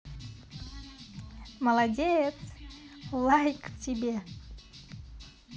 молодец лайк тебе